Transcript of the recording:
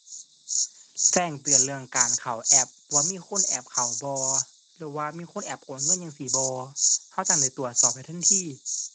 แจ้งเตือนเรื่องการเข้าแอป ว่ามีคนแอบเข้าบ่หรือว่ามีคนแอบโอนเงินจั่งซี้บ่ เราจั่งได้ตรวจสอบได้ทันที